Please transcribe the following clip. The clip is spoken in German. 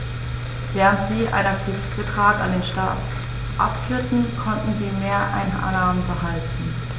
Während sie einen Fixbetrag an den Staat abführten, konnten sie Mehreinnahmen behalten.